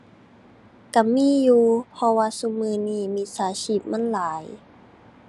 ก็มีอยู่ เพราะว่าซุมื้อนี้มิจฉาชีพมันหลาย